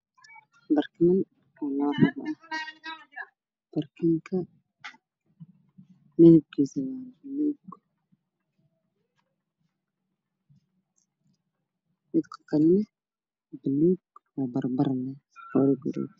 Meeshan waxaa iga muuqda laba barkiin koodu yahay buluug